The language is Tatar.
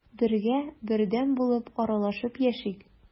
Бергә, бердәм булып аралашып яшик.